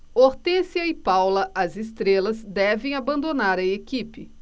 hortência e paula as estrelas devem abandonar a equipe